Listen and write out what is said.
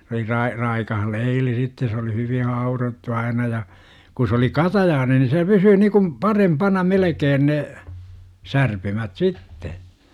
se oli - raikas leili sitten se oli hyvin haudottu aina ja kun se oli katajainen niin se pysyy niin kuin parempana melkein ne särpymät sitten